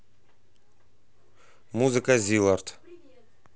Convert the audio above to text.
музыка зиларт